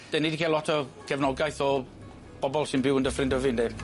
'Den ni 'di c'el lot o gefnogaeth o bobol sy'n byw yn Dyffryn Dyfi yndi?